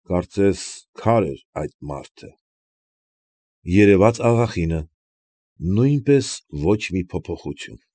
Կարծես քար էր այդ մարդը։ Երևաց աղախինը ֊ նույնպես ոչ մի փոփոխություն։